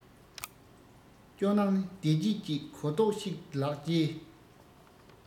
སྐྱོ སྣང ནི བདེ སྐྱིད ཅིག གོ རྟོགས ཤིག ལག སྐྱེས